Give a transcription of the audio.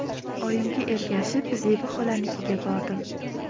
oyimga ergashib zebi xolanikiga bordim